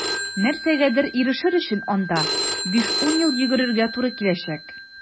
Нәрсәгәдер ирешер өчен анда 5-10 ел йөгерергә туры киләчәк.